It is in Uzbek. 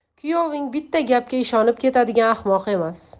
kuyoving bitta gapga ishonib ketadigan ahmoq emas